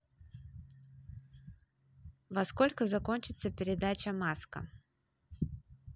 во сколько закончится передача маска